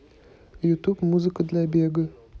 ютуб музыка для бега